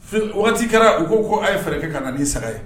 Waati kɛra u ko ko' ye fɛɛrɛ kɛ ka na' saga ye